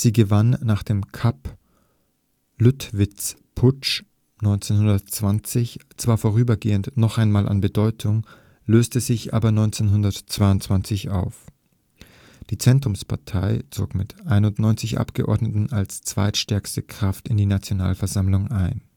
gewann nach dem Kapp-Lüttwitz-Putsch 1920 zwar vorübergehend noch einmal an Bedeutung, löste sich aber 1922 auf. Die Zentrumspartei zog mit 91 Abgeordneten als zweitstärkste Kraft in die Nationalversammlung ein